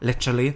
literally.